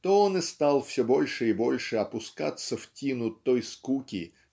то он и стал все больше и больше опускаться в тину той скуки